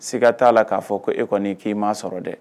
Siiga t'a la k'a fɔ ko e kɔni k'i ma sɔrɔ dɛ